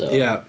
Ia.